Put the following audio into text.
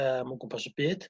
yym o gwmpas y byd